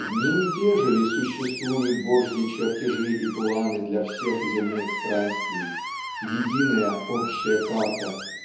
Одни и те же ли существуют Божьи чертежи и планы для всех земных странствий единая общая карта